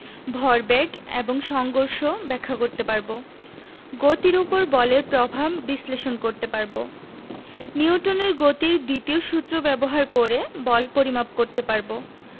ভরবেগ এবং সংঘর্ষ ব্যাখ্যা করতে পারব গতির উপর বলের প্রভাব বিশ্লেষণ করতে পারব নিউটনের গতির দ্বিতীয় সূত্র ব্যবহার করে বল পরিমাপ করতে পারব